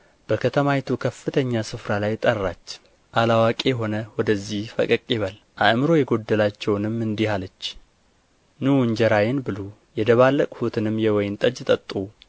በከተማይቱ ከፍተኛ ስፍራ ላይ ጠራች አላዋቂ የሆነ ወደዚህ ፈቀቅ ይበል አእምሮ የጐደላቸውንም እንዲህ አለች ኑ እንጀራዬን ብሉ የደባለቅሁትንም የወይን ጠጅ ጠጡ